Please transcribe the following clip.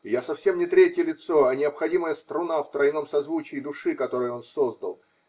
И я совсем не третье лицо, а необходимая струна в тройном созвучии души, которое он создал.